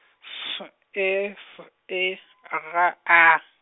F E F E , R A.